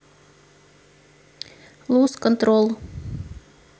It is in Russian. луз контрол